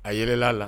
A yɛrɛla la